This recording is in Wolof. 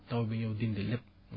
taw bi ñëw dindi lépp